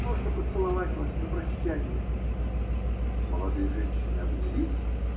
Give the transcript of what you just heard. Можно поцеловать вас на прощанье? Молодые женщины обнялись.